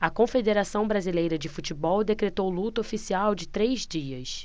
a confederação brasileira de futebol decretou luto oficial de três dias